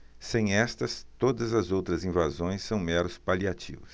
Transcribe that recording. sem estas todas as outras invasões são meros paliativos